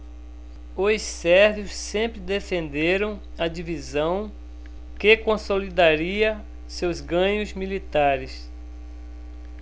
os sérvios sempre defenderam a divisão que consolidaria seus ganhos militares